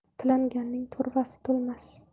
tilanganning to'rvasi to'lmas